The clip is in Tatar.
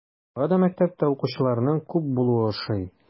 Аңа да мәктәптә укучыларның күп булуы ошый.